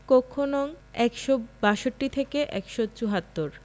কক্ষ নং ১৬২ থেকে ১৭৪